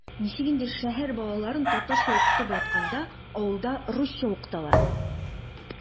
Ничек инде шәһәр балаларын татарча укытып ятканда авылда русча укыталар?!